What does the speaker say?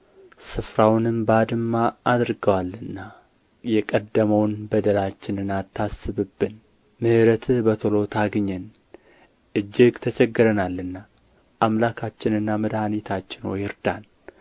ስፍራውንም ባድማ አድርገዋልና የቀደመውን በደላችንን አታስብብን ምሕረትህ በቶሎ ታግኘን እጅግ ተቸግረናልና አምላካችንና መድኃኒታችን ሆይ እርዳን ስለ ስምህ ክብር አቤቱ ታደገን